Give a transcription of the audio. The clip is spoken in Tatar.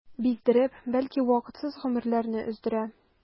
Биздереп, бәлки вакытсыз гомерләрне өздерә.